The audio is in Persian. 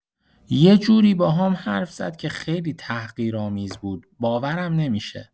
یه جوری باهام حرف زد که خیلی تحقیرآمیز بود، باورم نمی‌شه.